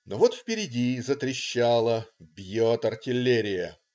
Но вот впереди затрещало, бьет артиллерия.